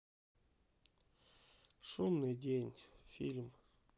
шумный день фильм